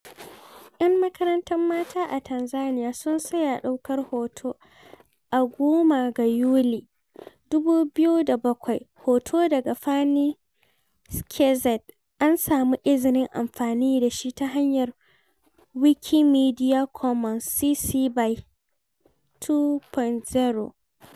Yan makaranta mata a Tanzaniya sun tsaya ɗaukar hoto a 10 ga Yuli, 2007. Hoto daga Fanny Schertzer, an samu izinin amfani da shi ta hanyar Wikimedia Commons, CC BY 2.0.